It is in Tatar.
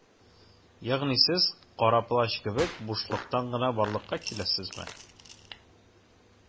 Ягъни сез Кара Плащ кебек - бушлыктан гына барлыкка киләсезме?